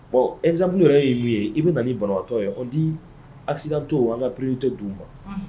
Nsaban yɛrɛ y ye mun ye i bɛ na ni barotɔ ye o di a to an ka pirite dunba